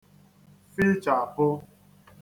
fichàpụ